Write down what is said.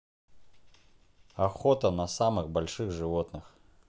охота на самых больших животных